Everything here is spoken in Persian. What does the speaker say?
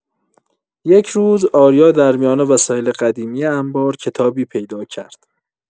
یک روز، آریا در میان وسایل قدیمی انبار، کتابی پیدا کرد.